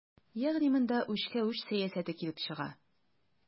Ягъни монда үчкә-үч сәясәте килеп чыга.